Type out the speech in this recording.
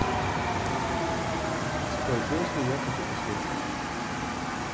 спой песню я хочу послушать